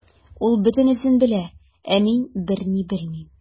Ул бөтенесен белә, ә мин берни белмим.